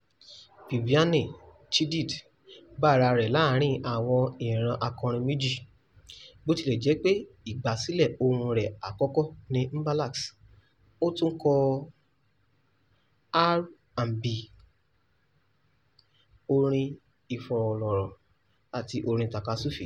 Iṣẹ́ ọdúnmọ́dún tí ó ń ṣe gẹ́gẹ́ bíi oníṣẹ́ ọnà tí ó ní ìfarajìn fún òmìnira ilẹ̀ Áfíríkà, jíjà tako ìwà ìbàjẹ́, àti àwọn ọ̀ràn mìíràn ni ó ti sọ ọ́ di ìlúmọ̀ọ́ká káàkiri àgbáyé.